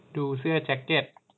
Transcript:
ดูเสื้อแจ็คเก็ต